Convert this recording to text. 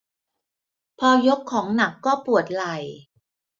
พอยกของหนักก็ปวดไหล่